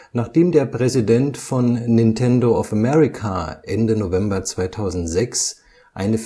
Nachdem Reggie Fils-Aime, der Präsident von Nintendo of America, Ende November 2006 eine